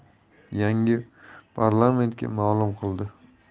chiqqanini yangi parlamentga ma'lum qildi